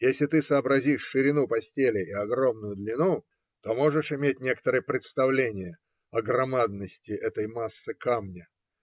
Если ты сообразишь ширину постели и огромную длину, то можешь иметь некоторое представление о громадности этой массы камня.